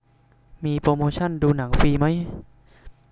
มีโปรโมชันดูหนังฟรีมั้ย